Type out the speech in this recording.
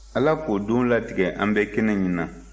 ala k'o don latigɛ an bɛɛ kɛnɛ ɲɛna